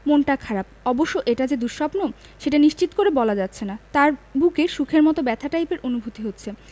মনটা খারাপ অবশ্য এটা যে দুঃস্বপ্ন সেটা নিশ্চিত করে বলা যাচ্ছে না তাঁর বুকে সুখের মতো ব্যথা টাইপের অনুভূতি হচ্ছে